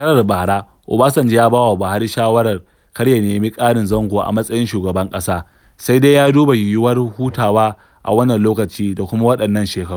A shekarar bara, Obasanjo ya ba wa Buhari shawarar kar ya nemi ƙarin zango a matsayin shugaban ƙasa, sai dai ya duba yiwuwar hutawa a wannan lokaci da kuma waɗannan shekaru.